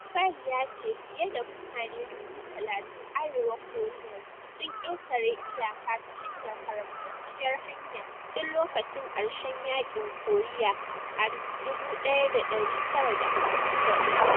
Seoul ya ce fiye da mutane 30,000 Arewa Koreans sun ketare iyaka ta hanyar haramtacciyar hanya tun lokacin karshen yakin Koriya a 1953.